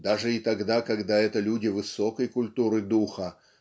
даже и тогда, когда это люди высокой культуры духа,